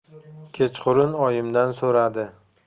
kechqurun oyimdan so'radi